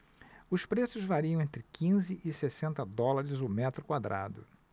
os preços variam entre quinze e sessenta dólares o metro quadrado